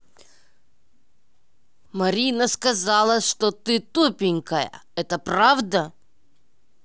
марина сказала что ты тупенькая это правда